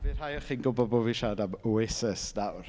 Bydd rhai o chi'n gwybod bo' fi'n siarad am Oasis nawr.